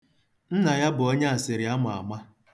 Nna ya bụ onyeasịrị a ma ama.